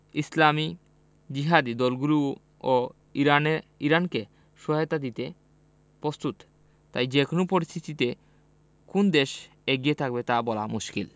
ইসলামি জিহাদি দলগুলোও ইরানে ইরানকে সহায়তা দিতে প্রস্তুত তাই যেকোনো পরিস্থিতিতে কোন দেশ এগিয়ে থাকবে তা বলা মুশকিল